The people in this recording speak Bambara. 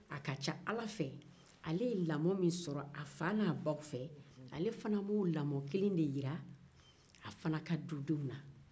a ka ca ala fɛ ale ye lamɔ min sɔrɔ a fa n'a b'aw fɛ ale fana b'o lamɔ kelen de yira a fana ka dudenw na